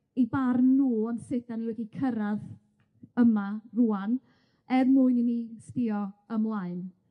eu barn nw am sut 'dan ni wedi cyrradd yma rŵan er mwyn i ni sbïo ymlaen